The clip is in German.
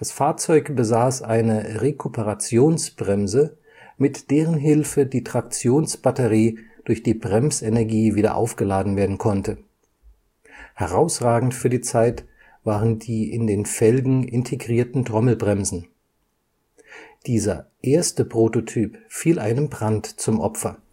Fahrzeug besaß eine Rekuperationsbremse (Bremsenergierückgewinnung) mit deren Hilfe die Traktionsbatterie durch die Bremsenergie wieder aufgeladen werden konnte. Herausragend für die Zeit waren die in den Felgen integrierten Trommelbremsen. Dieser erste Prototyp fiel einem Brand zum Opfer